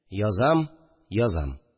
Язам, язам